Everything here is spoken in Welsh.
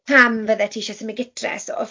pam fyddet ti isie symud gytre a stwff.